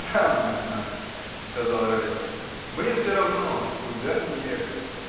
— Сам не знаю, — сказал Райский, — мне всё равно, куда ни ехать.